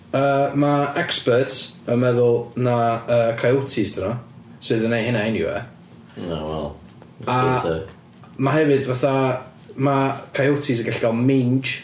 Yy ma' experts yn meddwl na yy coyotes 'dyn nhw sydd yn wneud hynna eniwe... O wel... a ma' hefyd fatha... ma' coyotes yn gallu cael mange.